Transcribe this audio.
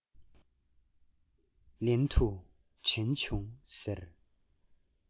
ལན དུ དྲན བྱུང ཟེར